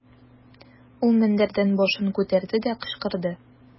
Ул мендәрдән башын күтәрде дә, кычкырды.